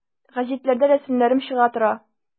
Гәзитләрдә рәсемнәрем чыга тора.